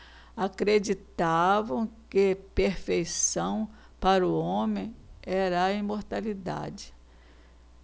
acreditavam que perfeição para o homem era a imortalidade